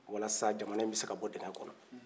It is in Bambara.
walasa jamanayin bɛ se ka bɔ dingɛ kɔnɔ